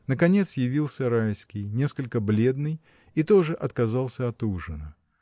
Наконец явился Райский, несколько бледный, и тоже отказался от ужина.